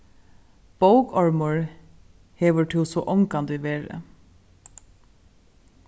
bókormur hevur tú so ongantíð verið